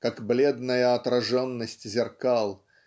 как бледная отраженность зеркал